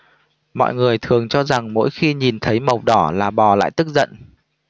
mọi người thường cho rằng mỗi khi nhìn thấy màu đỏ là bò lại tức giận